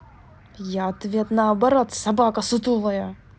я ответ наоборот собака сутулая